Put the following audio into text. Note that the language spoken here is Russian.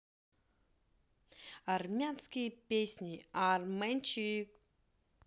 армянские песни armenchik